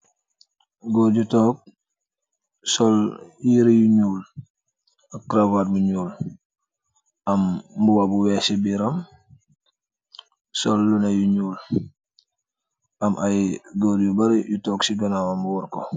Goor ju toog sol yereh yu nuul ak cravar bu nuul am mbuba bu weex si biram sol luna yu nuul am ay goor yu bare yu toog ci ganawam worko.